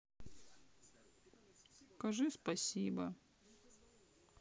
скажи спасибо